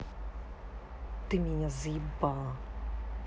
ты меня заебала